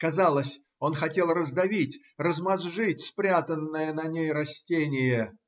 казалось, он хотел раздавить, размозжить спрятанное на ней растение.